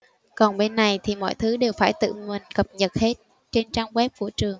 còn bên này thì mọi thứ đều phải tự mình cập nhật hết trên trang web của trường